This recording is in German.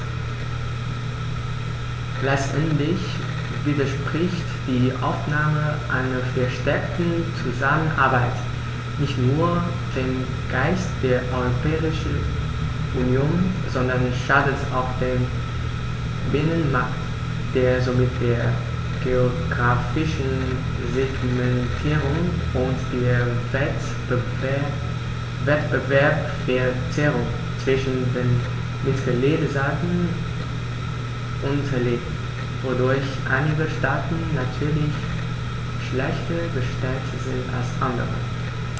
Letztendlich widerspricht die Aufnahme einer verstärkten Zusammenarbeit nicht nur dem Geist der Europäischen Union, sondern schadet auch dem Binnenmarkt, der somit der geographischen Segmentierung und der Wettbewerbsverzerrung zwischen den Mitgliedstaaten unterliegt, wodurch einige Staaten natürlich schlechter gestellt sind als andere.